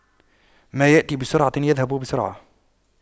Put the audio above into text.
ما يأتي بسرعة يذهب بسرعة